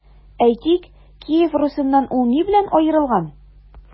Әйтик, Киев Русеннан ул ни белән аерылган?